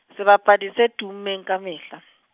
sebapadi se tummeng kamehla.